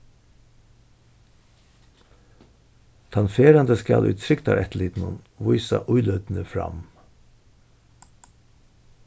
tann ferðandi skal í trygdareftirlitinum vísa íløtini fram